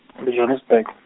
ndi Johannesburg .